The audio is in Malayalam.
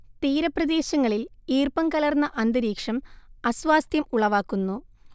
തീരപ്രദേശങ്ങളിൽ ഈർപ്പം കലർന്ന അന്തരീക്ഷം അസ്വാസ്ഥ്യം ഉളവാക്കുന്നു